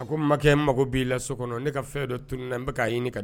A ko makɛ mako b'i la so kɔnɔ ne ka fɛn dɔ tun na n bɛ k'a ɲini ka